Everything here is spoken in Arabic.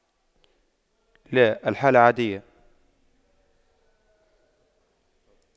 لا الحالة عادية